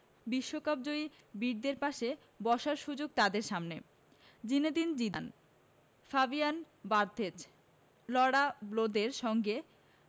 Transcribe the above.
বিশ্বকাপজয়ী বীরদের পাশে বসার সুযোগ তাদের সামনে জিনেদিন জিদান ফাবিয়ান বার্থেজ লঁরা ব্লদের সঙ্গে